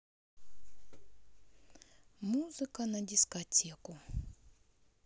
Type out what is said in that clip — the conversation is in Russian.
музыка на дискотеку